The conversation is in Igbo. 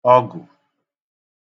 ọgụ̀